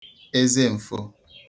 ezemfo